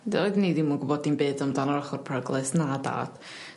Doeddwn i ddim yn gwbod dim byd amdan yr ochor peryglus na dad